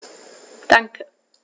Danke.